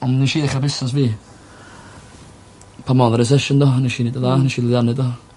On' nesh i ddechra busnas fi pan odd y recesion do? Nesh i neud yn dda nesh i lwyddianu do?